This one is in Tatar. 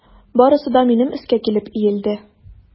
Барысы да минем өскә килеп иелде.